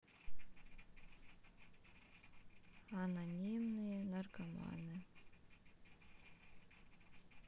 анонимные наркоманы